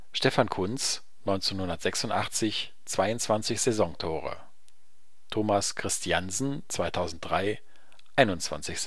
Stefan Kuntz, 1986, 22 Saisontore Thomas Christiansen, 2003, 21